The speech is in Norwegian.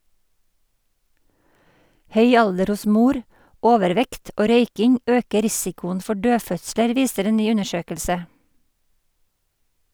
Høy alder hos mor, overvekt og røyking øker risikoen for dødfødsler, viser en ny undersøkelse.